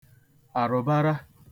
àrụ̀bara